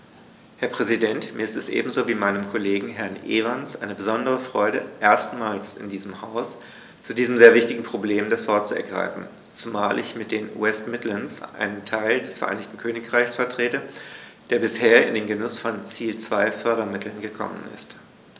Herr Präsident, mir ist es ebenso wie meinem Kollegen Herrn Evans eine besondere Freude, erstmals in diesem Haus zu diesem sehr wichtigen Problem das Wort zu ergreifen, zumal ich mit den West Midlands einen Teil des Vereinigten Königreichs vertrete, der bisher in den Genuß von Ziel-2-Fördermitteln gekommen ist.